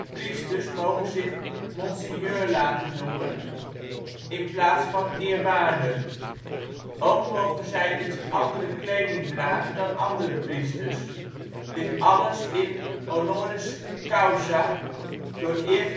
priesters mogen zich " monseigneur " laten noemen, in plaats van " eerwaarde ". Ook mogen zij iets andere kleding dragen dan andere priesters. Dit alles is honoris causa (door eer veroorzaakt